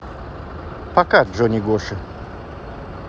пока джонни гоша